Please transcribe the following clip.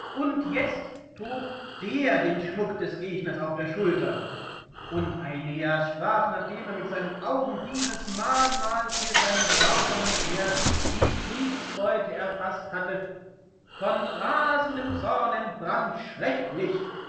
und jetzt trug der den Schmuck des Gegners auf der Schulter! Und Aeneas sprach, nachdem er mit seinen Augen dieses Mahnmal für seinen grausamen Schmerz, die Kriegsbeute, erfasst hatte, von rasendem Zorn entbrannt schrecklich